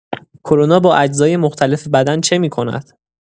کرونا با اجزای مختلف بدن چه می‌کند؟